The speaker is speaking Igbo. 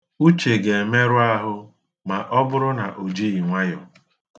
Uche ga-emerụ ahụ ma ọ bụrụ na o jighi nwayọ.